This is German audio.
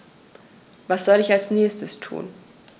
Was soll ich als Nächstes tun?